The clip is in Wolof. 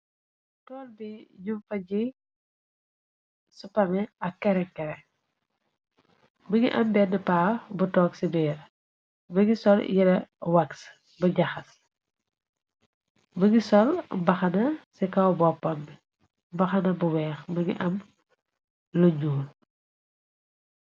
Tol bi jum fa ji supame ak kerenkre bi ngi am benn paaw bu toog ci dera bë gi sol yëra wax bu jaxas bëgi sol baxana ci kaw boppam bi baxana bu weex bë ngi am li nyul.